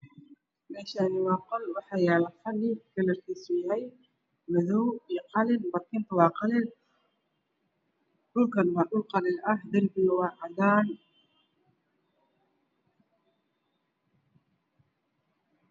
Meeshani waa qol waxaa yaalo fadhi kalarkiisu yahay madaw qalin dhulkana waa dhul qalin ah ciida waa cadaan